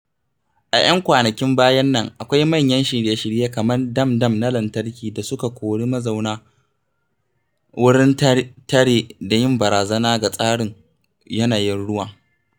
A 'yan shekarun bayan nan, akwai manyan shirye-shirye kamar dam-dam na lantarki da suka kori mazauna wurin tare da yin barazana ga tsarin yanayin ruwan.